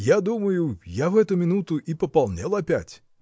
Я думаю, я в эту минуту и пополнел опять.